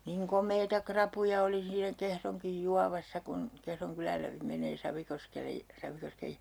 niin komeita rapuja oli siinä Kehronkin juovassa kun Kehron kylän läpi menee Savikoskelle Savikosken järveen